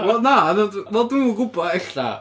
Wel, na, na dw-... wel dwi'm yn gwybod, ella.